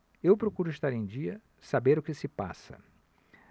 eu procuro estar em dia saber o que se passa